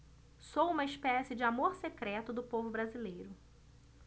sou uma espécie de amor secreto do povo brasileiro